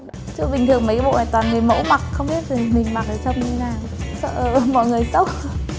chứ bình thường mấy bộ an toàn người mẫu mặc không biết mình mặc trông như nào sợ mọi người sốc